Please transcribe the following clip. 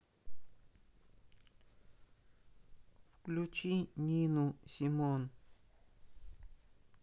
включи нину симон